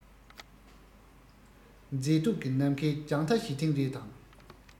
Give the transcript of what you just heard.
མཛེས སྡུག གི ནམ མཁའི རྒྱང ལྟ བྱེད ཐེངས རེ དང